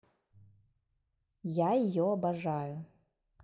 я ее обожаю